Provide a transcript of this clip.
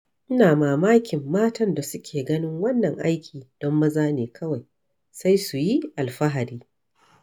Ina mamakin matan da suke ganin wannan aikin don maza ne kawai, sai su yi alfahari.